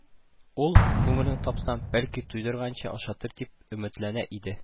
Ул, күңелен тапсам, бәлки туйдырганчы ашатыр дип тә өметләнә иде